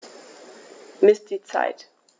Miss die Zeit.